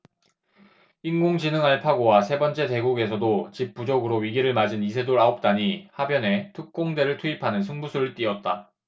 인공지능 알파고와 세 번째 대국에서도 집 부족으로 위기를 맞은 이세돌 아홉 단이 하변에 특공대를 투입하는 승부수를 띄웠다